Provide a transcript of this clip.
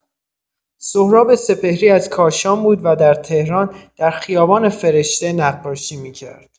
سهراب سپهری از کاشان بود و در تهران در خیابان فرشته نقاشی می‌کرد.